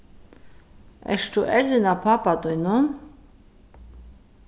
ert tú errin av pápa tínum